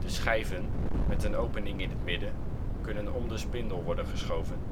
schijven, met een opening in het midden, kunnen om de spindel worden geschoven